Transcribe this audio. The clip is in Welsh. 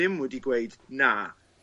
ddim wedi gweud na